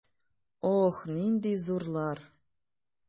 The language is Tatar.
Ох, нинди зурлар!